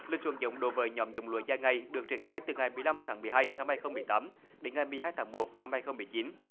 lịch xuống giống đối với nhóm giống lúa dài ngày được triển khai từ ngày mười lăm tháng mười hai năm hai không mười tám đến ngày mười hai tháng một năm hai không mười chín